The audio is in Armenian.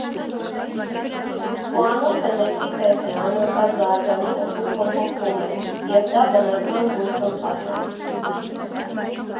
Խոհանոցը լեզվի պես է, անընդհատ զարգանում ու փոփոխվում է, և դա բնական գործընթաց է։